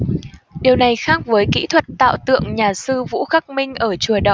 điều này khác với kỹ thuật tạo tượng nhà sư vũ khắc minh ở chùa đậu